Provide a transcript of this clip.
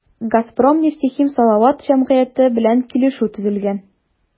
“газпром нефтехим салават” җәмгыяте белән килешү төзелгән.